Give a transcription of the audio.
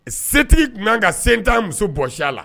Setigi kun man ka sentan muso bɔsi a la.